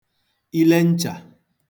ilenchà